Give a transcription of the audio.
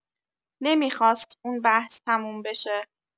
نمی‌خواست اون بحث تموم بشه